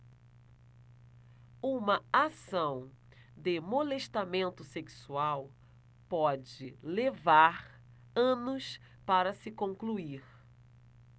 uma ação de molestamento sexual pode levar anos para se concluir